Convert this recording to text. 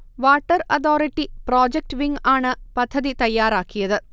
water authority project wing ആണ് പദ്ധതി തയ്യാറാക്കിയത്